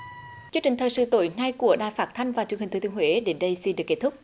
chương trình thời sự tối nay của đài phát thanh và truyền hình thừa thiên huế đến đây xin được kết thúc